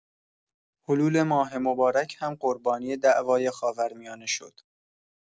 حلول ماه مبارک هم قربانی دعوای خاورمیانه شد.